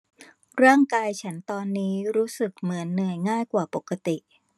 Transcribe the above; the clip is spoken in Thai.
ร่างกายฉันตอนนี้รู้สึกเหมือนเหนื่อยง่ายกว่าปกติ